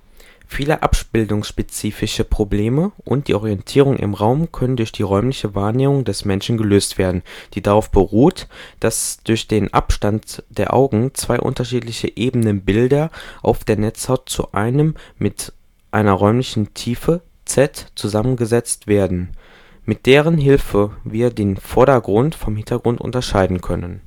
Viele abbildungsspezifische Probleme und die Orientierung im Raum können durch die räumliche Wahrnehmung des Menschen gelöst werden, die darauf beruht, dass durch den Abstand der Augen zwei unterschiedliche ebene Bilder auf der Netzhaut zu einem Bild mit einer räumlichen Tiefe (Z) zusammengesetzt werden, mit deren Hilfe wir den Vordergrund vom Hintergrund unterscheiden können